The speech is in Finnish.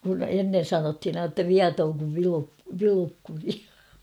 kun ennen sanottiin aina jotta viaton kuin - Vilukkuri